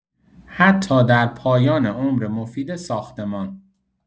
حتی در پایان عمر مفید ساختمان